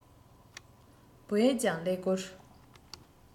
བོད ཡིག ཀྱང ཀླད ཀོར